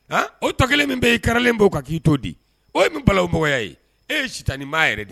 Aa o tɔ kelen min bɛ' karilen bɔ kan k'i to di o ye min balomɔgɔya ye e ye si tan ni' yɛrɛ de ye